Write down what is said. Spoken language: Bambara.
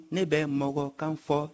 ne bɛ mɔgɔkan fɔ